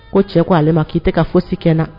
Ko cɛ ko ale ma k'i tɛ ka fosi kɛ n na.